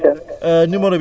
naka waa Paar